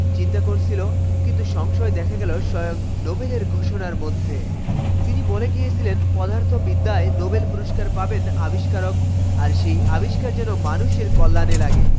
চিন্তা করছিল কিন্তু সংশয় দেখা গেল স্বয়ং নোবেলের ঘোষণার মধ্যে গিয়েছিলেন পদার্থবিদ্যায় নোবেল পুরস্কার পাবেন আবিষ্কারক সেই আবিস্কার যেন মানুষের কল্যাণে লাগে